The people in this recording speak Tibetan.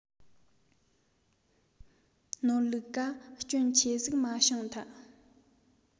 ནོར ལུག ག སྐྱོན ཆེ ཟིག མ བྱུང ཐལ